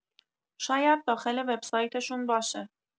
شاید داخل وبسایتشون باشه.